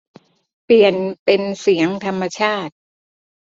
เปลี่ยนเป็นเสียงธรรมชาติ